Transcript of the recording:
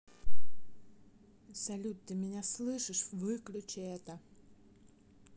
салют ты меня слышишь выключи это